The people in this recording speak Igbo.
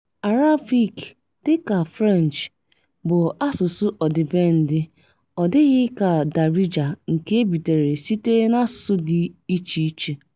Arabic, dị ka French, bụ asụsụ ọdịbendị ọ adịghị ka Darija nke ebitere sita n'asụsụ dị iche iche.